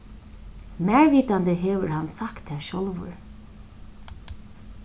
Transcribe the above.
mær vitandi hevur hann sagt tað sjálvur